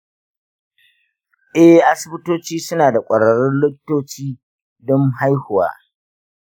eh, asibitoci suna da ƙwararrun likitoci don haihuwa.